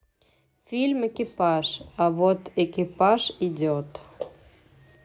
фильм экипаж а вон экипаж идет